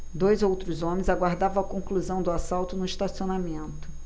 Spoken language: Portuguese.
dois outros homens aguardavam a conclusão do assalto no estacionamento